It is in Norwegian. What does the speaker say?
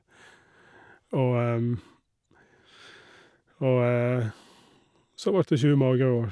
og Og så vart det sju magre år.